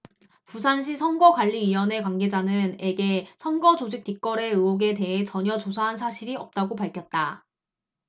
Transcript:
부산시선거관리위원회 관계자는 에게 선거조직 뒷거래의혹에 대해 전혀 조사한 사실이 없다고 밝혔다